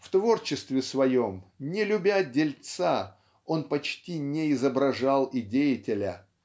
В творчестве своем, не любя дельца, он почти не изображал и деятеля